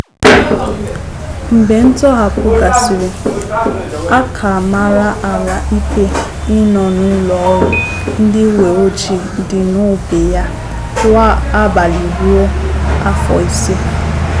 Mgbe ntọhapụ gasịrị, a ka mara Alaa ikpe ịnọ n'ụlọ ọrụ ndị uwe ojii dị n'ogbe ya kwa abalị ruo "afọ ise".